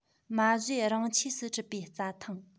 མ བཟོས རང ཆས སུ གྲུབ པའི རྩྭ ཐང